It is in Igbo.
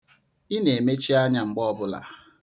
Ị na-emechi anya mgbe ọ bụla.